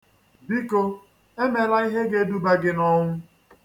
Biko, emela ihe ga-eduba gị n'ọnwụ.